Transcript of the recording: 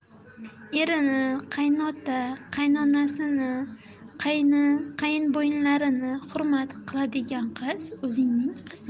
erini qaynota qaynonasini qaynbo'yinlarini hurmat qiladigan qiz o'zingning qizing